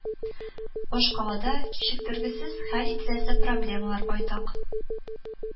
Башкалада кичектергесез хәл ителәсе проблемалар байтак